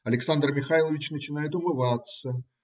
Александр Михайлович начинает умываться.